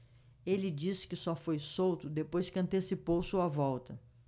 ele disse que só foi solto depois que antecipou sua volta